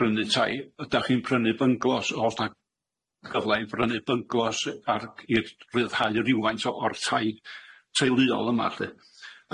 Prynu tai ydach chi'n prynu bynglos o'dd 'na gyfle i brynu bynglos ar i rhyddhau rywfaint o o'r tai teuluol yma lly?